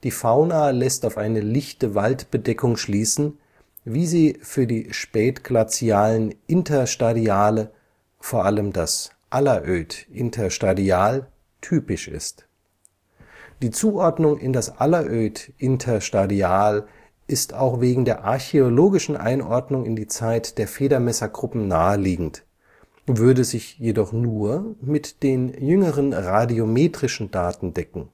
Fauna lässt auf eine lichte Waldbedeckung schließen, wie sie für die spätglazialen Interstadiale – vor allem das Alleröd-Interstadial – typisch ist. Die Zuordnung in das Alleröd-Interstadial ist auch wegen der archäologischen Einordnung in die Zeit der Federmesser-Gruppen naheliegend, würde sich jedoch nur mit den jüngeren radiometrischen Daten decken